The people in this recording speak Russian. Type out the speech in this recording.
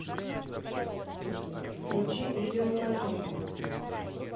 включи видео про науку